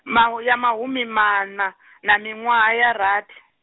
maho ya mahumimaṋa, na miṅwaha ya rathi.